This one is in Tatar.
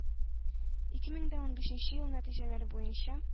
Ике мең дә унбишенче ел нәтиҗәләре буенча,